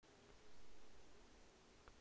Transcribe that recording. меня хватит шесть дней чтобы побыть в пластуне